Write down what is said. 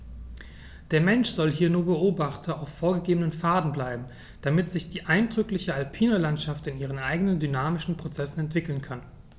Der Mensch soll hier nur Beobachter auf vorgegebenen Pfaden bleiben, damit sich die eindrückliche alpine Landschaft in ihren eigenen dynamischen Prozessen entwickeln kann.